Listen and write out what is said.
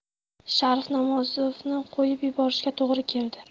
sharif namozovni qo'yib yuborishga to'g'ri keldi